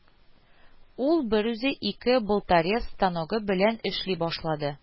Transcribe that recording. Ул берүзе ике болторез станогы белән эшли башлады